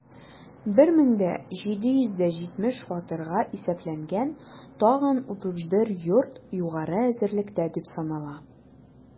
1770 фатирга исәпләнгән тагын 31 йорт югары әзерлектә дип санала.